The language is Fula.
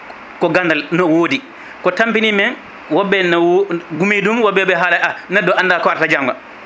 ko gandal no wodi ko tampini men woɓɓe na wo gumi ɗum woɓɓeɓe ɓe haala a neɗɗo anda ko arata janggo